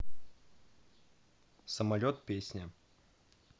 самолет песня